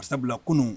Masasabila kunun